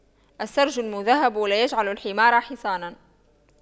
السَّرْج المُذهَّب لا يجعلُ الحمار حصاناً